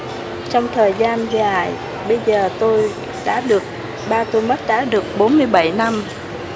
trong thời gian dài bây giờ tôi đã được ba tôi mất đã được bốn bảy năm